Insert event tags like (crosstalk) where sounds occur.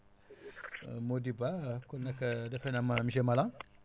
(noise) Mody Ba kon nag defe na maa monsieur Malang